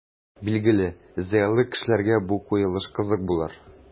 Билгеле, зыялы кешеләргә бу куелыш кызык булыр.